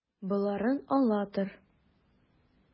Боларын ала тор.